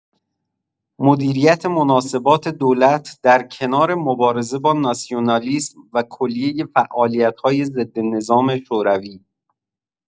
مدیریت مناسبات دولت در کنار مبارزه با ناسیونالیسم و کلیه فعالیت‌های ضد نظام شوروی